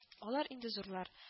Алар инде зурлар